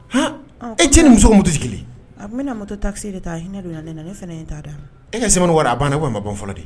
H e ti ni muso mutu sigilen kelen a n bɛna musoto ta se de taa hinɛ don ne na ne fana in t'a da e ka semo wa a ban ne' ma bɔn fɔlɔ de